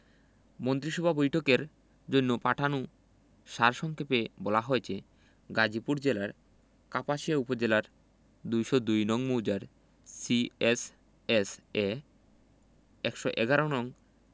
মন্ত্রিসভা বৈঠকের জন্য পাঠানো সার সংক্ষেপে বলা হয়েছে গাজীপুর জেলার কাপাসিয়া উপজেলার ২০২ নং মৌজার সি এস এস এ ১১১ নং